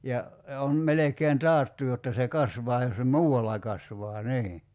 ja ja on melkein taattu jotta se kasvaa jos se muualla kasvaa niin